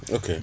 ok